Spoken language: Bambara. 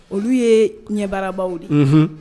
Olu ye ɲɛbaabagaw de ye